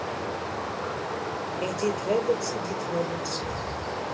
эдит роблокс эдит роблокс